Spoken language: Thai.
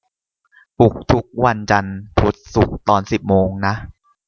ปลุกทุกวันจันทร์พุธศุกร์ตอนสิบโมงนะ